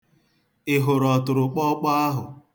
Ị hụrụ ọtụrụkpọọkpọọ ahụ?